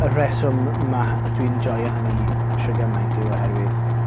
y rheswm ma' hy- dwi'n joio hynny shwd gymaint yw oherwydd